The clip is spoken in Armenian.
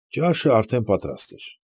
Ճաշն արդեն պատրաստ էր։